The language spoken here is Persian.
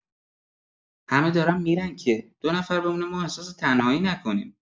همه دارن می‌رن که دو نفر بمونه ما احساس تنهایی نکنیم